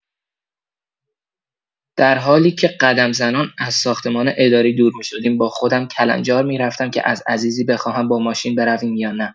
در حالی که قدم‌زنان از ساختمان ادارای دور می‌شدیم با خودم کلنجار می‌رفتم که از عزیزی بخواهم با ماشین برویم یا نه؟!